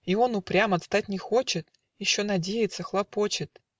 А он упрям, отстать не хочет, Еще надеется, хлопочет